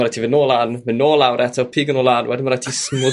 ma' raid i ti fynd nôl lan mynd nôl lawr eto pigo n'w lan wedyn ma' raid i ti